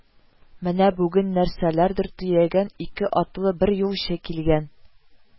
Менә бүген нәрсәләрдер төягән ике атлы бер юлчы килгән